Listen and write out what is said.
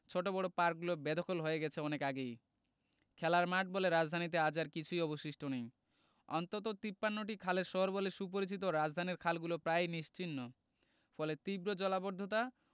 ছোট বড় পার্কগুলো বেদখল হয়ে গেছে অনেক আগেই খেলার মাঠ বলে রাজধানীতে আজ আর কিছু অবশিষ্ট নেই অন্তত ৫৩টি খালের শহর বলে সুপরিচিত রাজধানীর খালগুলোও প্রায় নিশ্চিহ্ন ফলে তীব্র জলাবদ্ধতা